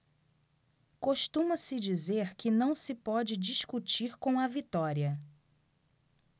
costuma-se dizer que não se pode discutir com a vitória